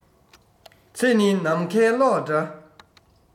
ཚེ ནི ནམ མཁའི གློག འདྲ